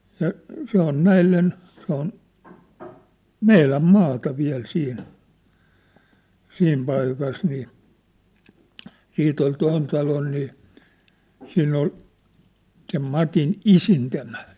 ja se on näille se on meidän maata vielä siinä siinä paikassa niin siitä oli tuon talon niin siinä oli sen Matin isintimä